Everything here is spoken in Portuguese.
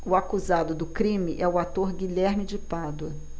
o acusado do crime é o ator guilherme de pádua